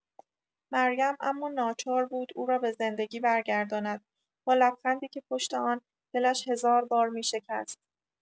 مریم، اما ناچار بود او را به زندگی برگرداند، با لبخندی که پشت آن، دلش هزار بار می‌شکست.